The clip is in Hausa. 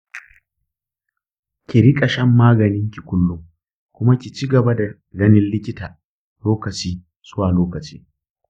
ki riƙa shan maganinki kullum kuma ki ci gaba da ganin likita lokaci zuwa lokaci.